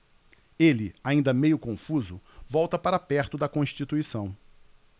ele ainda meio confuso volta para perto de constituição